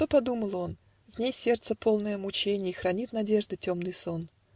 что подумал он!" В ней сердце, полное мучений, Хранит надежды темный сон